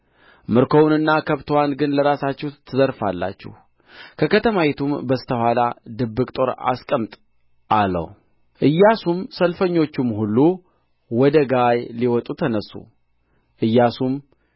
ምርኮዋንና ከብትዋን ግን ለራሳችሁ ትዘርፋላችሁ ከከተማይቱም በስተ ኋላ ድብቅ ጦር አስቀምጥ አለው ኢያሱም ሰልፈኞቹም ሁሉ ወደ ጋይ ሊወጡ ተነሡ ኢያሱም